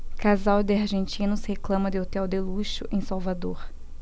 casal de argentinos reclama de hotel de luxo em salvador